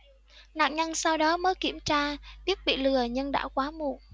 nạn nhân sau đó mới kiểm tra biết bị lừa nhưng đã quá muộn